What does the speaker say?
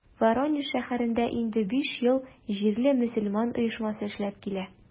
Воронеж шәһәрендә инде биш ел җирле мөселман оешмасы эшләп килә.